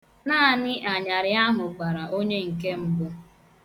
Naanị anyarị ahụ gbara onye nke mbụ.